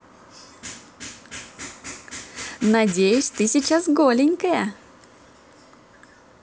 надеюсь ты сейчас голенькая